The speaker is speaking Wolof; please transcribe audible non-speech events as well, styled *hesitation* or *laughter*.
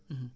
*hesitation* *hesitation*